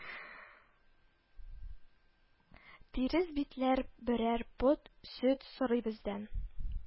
Тирес битләр берәр пот сөт сорый бездән